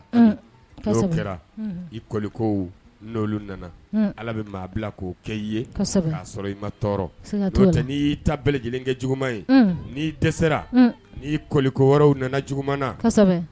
Unn kosɛbɛ n'o kɛra i kɔlikow n'olu nana hunn Ala bɛ maa bila k'o kɛ i ye kosɛbɛ k'a sɔrɔ i ma tɔɔrɔ siga t'o la ɲɔntɛ n'i y'i ta bɛ lajɛlen kɛ juguman ye unnn n'i dɛsɛra unn n'i kɔliko wɛrɛw nana juguman na kosɛbɛ